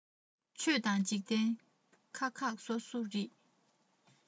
ཆོས དང འཇིག རྟེན ཁག ཁག སོ སོ རེད